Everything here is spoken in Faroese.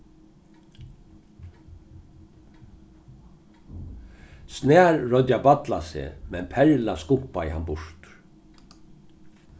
snar royndi at balla seg men perla skumpaði hann burtur